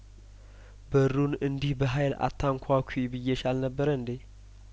በሩን እንዲህ በሀይል አታንኳኲ ብዬሽ አልነበረ እንዴ